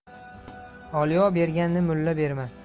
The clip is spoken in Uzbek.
olio berganni mullo bermas